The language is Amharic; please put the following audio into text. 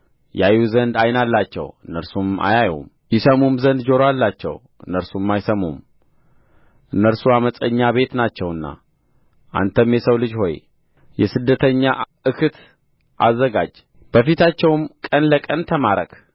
ያዩ ዘንድ ዓይን አላቸው እነርሱም አያዩም ይሰሙም ዘንድ ጆሮ አላቸው እነርሱም አይሰሙም እነርሱ ዓመፀኛ ቤት ናቸውና አንተም የሰው ልጅ ሆይ የስደተኛ እክት አዘጋጅ በፊታቸውም ቀን ለቀን ተማረክ